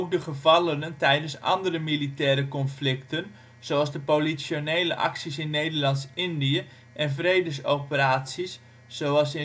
de gevallenen tijdens andere millitaire conflicten (zoals de politionele acties in Nederlands-Indië) en vredesoperaties (zoals